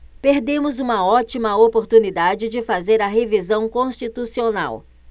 perdemos uma ótima oportunidade de fazer a revisão constitucional